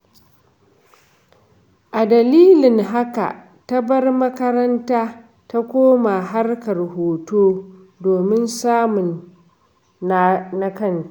A dalilin haka, ta bar makaranta ta koma harkar hoto domin samun na kanta.